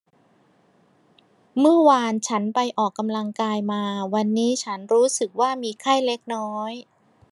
เมื่อวานฉันไปออกกำลังกายมาวันนี้ฉันรู้สึกว่ามีไข้เล็กน้อย